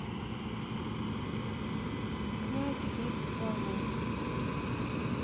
князь feat балу